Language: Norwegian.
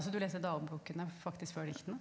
altså du leste dagbøkene faktisk før diktene?